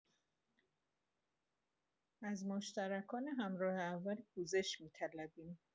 از مشترکان همراه اول پوزش می‌طلبیم.